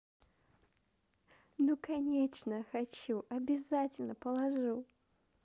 ну конечно хочу обязательно положу